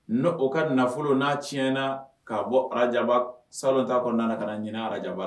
N' o ka nafolo n'a tiɲɛna ka bɔ ara aba, salon ta kɔnɔna ka na ɲinɛ arajaba la